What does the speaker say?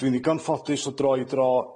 Dwi'n ddigon ffodus o dro i dro